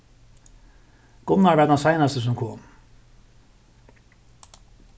gunnar var tann seinasti sum kom